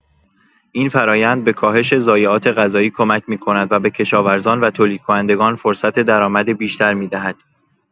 این فرآیند به کاهش ضایعات غذایی کمک می‌کند و به کشاورزان و تولیدکنندگان فرصت درآمد بیشتر می‌دهد.